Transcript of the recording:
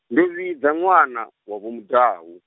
ndo vhidza ṅwana, wa Vho Mudau.